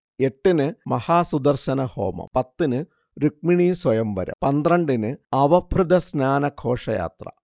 എട്ടിന് മഹാസുദർശനഹോമം, പത്തിന് രുക്മിണീസ്വയംവരം, പന്ത്രണ്ടിന് അവഭൃഥസ്നാന ഘോഷയാത്ര